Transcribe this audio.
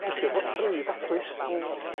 peidio bod rhy daclus. Hmm